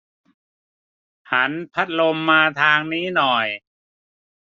หันพัดลมมาทางนี้หน่อย